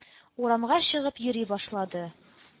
Урамга чыгып йөри башлады.